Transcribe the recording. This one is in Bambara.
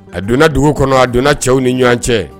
A donna dugu kɔnɔ a donna cɛww ni ɲɔgɔn cɛ